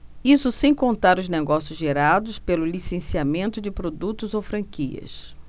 isso sem contar os negócios gerados pelo licenciamento de produtos ou franquias